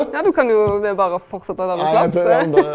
ja du kan jo det er berre å fortsetta der me slapp .